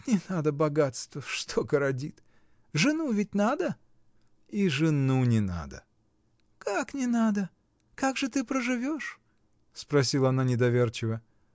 — Не надо богатства: что городит! Жену ведь надо? — И жену не надо. — Как не надо? Как же ты проживешь? — спросила она недоверчиво.